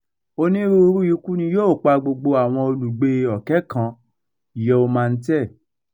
Onírúurú ikú ni yóò pa gbogbo àwọn olùgbée 20,000 Yau Ma Tei.